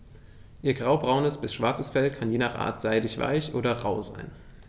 Ihr graubraunes bis schwarzes Fell kann je nach Art seidig-weich oder rau sein.